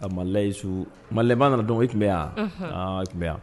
malilɛ ba nana dɔn min e tun bɛ yan.